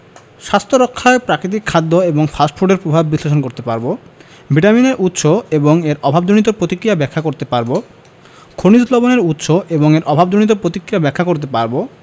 স্বাস্থ্য রক্ষায় প্রাকৃতিক খাদ্য এবং ফাস্ট ফুডের প্রভাব বিশ্লেষণ করতে পারব ভিটামিনের উৎস এবং এর অভাবজনিত প্রতিক্রিয়া ব্যাখ্যা করতে পারব খনিজ লবণের উৎস এবং এর অভাবজনিত প্রতিক্রিয়া ব্যাখ্যা করতে পারব